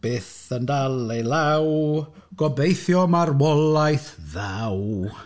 Byth yn dal ei law, gobeithio marwolaeth ddaw.